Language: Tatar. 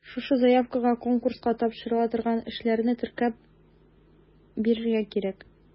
Шушы заявкага конкурска тапшырыла торган эшләрне теркәп бирергә кирәк.